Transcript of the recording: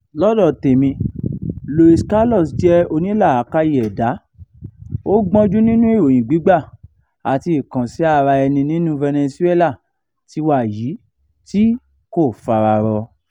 Lọ́dọ̀ tèmi, Luis Carlos jẹ́ onílàákàyè ẹ̀dá kan, ó gbọ́njú nínú ìròyìn gbígbà àti ìkànsì-ara-ẹni nínú Venezuela ti wa yìí tí kò fara rọ.